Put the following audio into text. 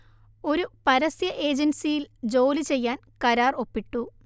ഒരു പരസ്യ ഏജൻസിയിൽ ജോലി ചെയ്യാൻ കരാർ ഒപ്പിട്ടു